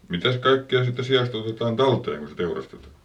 mitäs kaikkia siitä siasta otetaan talteen kun se teurastetaan